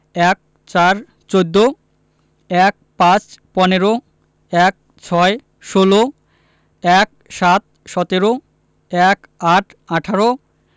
১৪ - চৌদ্দ ১৫ – পনেরো ১৬ - ষোল ১৭ - সতেরো ১৮ - আঠারো